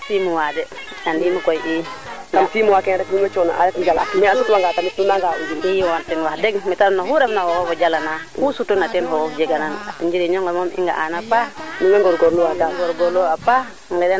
xa a refe jafe jafe periode um rek periode periode ke mbada nga rek ko jika dalfo suuy kama ndingale xesa nga roose xiran roose baya te sutu ka o fi plan of dalfo jim baya a peut prés baya six mois ke mat na daal te soogo wago soti